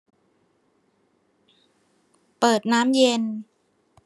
เปิดน้ำเย็น